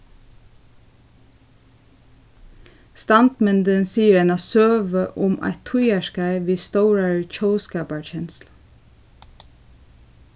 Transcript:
standmyndin sigur eina søgu um eitt tíðarskeið við stórari tjóðskaparkenslu